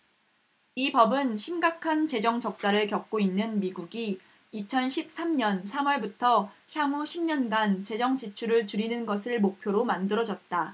이 법은 심각한 재정적자를 겪고 있는 미국이 이천 십 삼 년 삼 월부터 향후 십 년간 재정지출을 줄이는 것을 목표로 만들어졌다